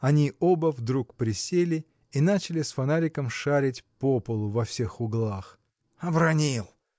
Они оба вдруг присели и начали с фонариком шарить по полу во всех углах. – Обронил!